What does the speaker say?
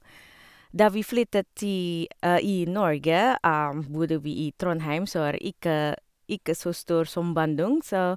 Da vi flyttet ti i Norge, bodde vi i Trondheim, som var ikke ikke så stor som Bandung, så...